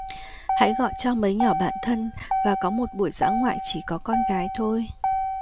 hãy gọi cho mấy nhỏ bạn thân và có một buổi dã ngoại chỉ có con gái thôi